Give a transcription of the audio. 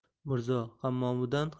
mirzo hammomidan ham